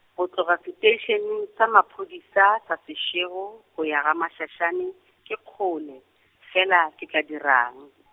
go tloga seteišeneng sa sa maphodisa sa Seshego go ya gaMashashane, ke kgole, fela ke tla dirang.